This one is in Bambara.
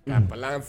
Naamu.